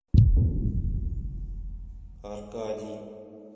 аркадий